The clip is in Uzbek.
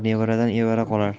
nevaradan evara qolar